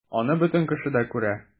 Аны бөтен кеше дә күрә...